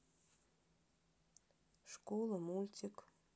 школа мультик